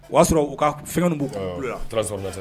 O y'a sɔrɔ u ka fɛn b' la